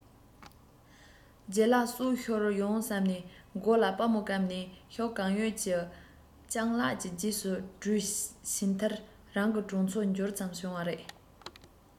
ལྗད ལགས སྲོག ཤོར ཡོང བསམ ནས མགོ ལ སྦར མོ བཀབ ནས ཤུགས གང ཡོད ཀྱིས སྤྱང ལགས ཀྱི རྗེས སུ བྲོས ཕྱིན མཐར རང གི གྲོང ཚོར འབྱོར ཙམ བྱུང བ རེད